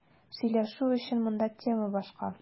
Сөйләшү өчен монда тема башка.